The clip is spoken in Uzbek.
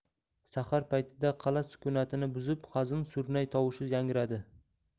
sahar paytida qala sukunatini buzib hazin surnay tovushi yangradi